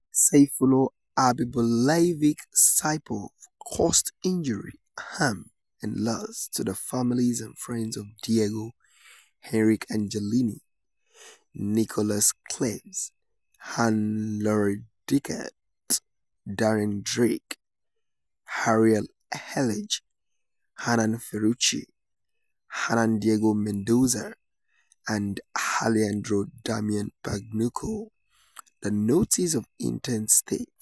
"Sayfullo Habibullaevic Saipov caused injury, harm, and loss to the families and friends of Diego Enrique Angelini, Nicholas Cleves, Ann-Laure Decadt, Darren Drake, Ariel Erlij, Hernan Ferruchi, Hernan Diego Mendoza, and Alejandro Damian Pagnucco," the notice of intent states.